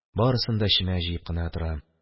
Барысын да эчемә җыеп кына торам